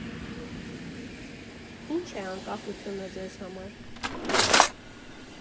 Ի՞նչ է անկախությունը Ձեզ համար»։